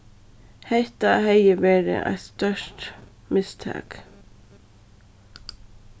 hatta hevði verið eitt stórt mistak